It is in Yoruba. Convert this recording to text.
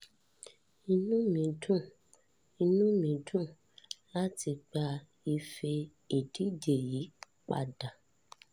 Inú mi dùn, inú mi dùn láti gba ife ìdíje yìí padà.